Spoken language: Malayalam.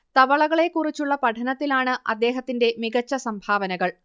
തവളകളെക്കുറിച്ചുള്ള പഠനത്തിൽ ആണ് അദ്ദേഹത്തിന്റെ മികച്ച സംഭാവനകൾ